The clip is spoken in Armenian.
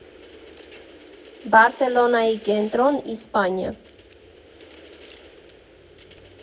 Բարսելոնայի կենտրոն, Իսպանիա։